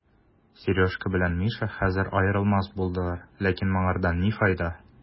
Сережка белән Миша хәзер аерылмас булдылар, ләкин моңардан ни файда?